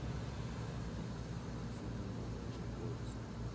поцелуй меня ниже пояса